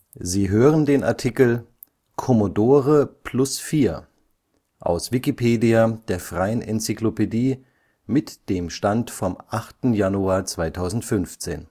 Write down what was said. Sie hören den Artikel Commodore Plus/4, aus Wikipedia, der freien Enzyklopädie. Mit dem Stand vom Der